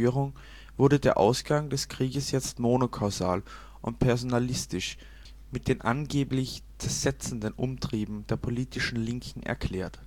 Führung wurde der Ausgang des Krieges jetzt monokausal und personalistisch mit den angeblich zersetzenden Umtrieben der politischen Linken erklärt